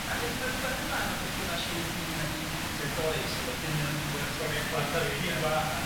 A hefyd ma' rwbeth yma am y berthynas rhwng dyn a byd natur, does, efo dynion yn dŵad a torri'r coed. Ac a rhifa ac...